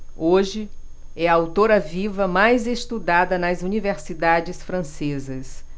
hoje é a autora viva mais estudada nas universidades francesas